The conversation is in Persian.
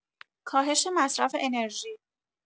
کاهش مصرف انرژی